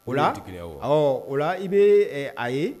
O la ,kow tɛ kelen ye, awɔ, awɔ, i bɛ a ye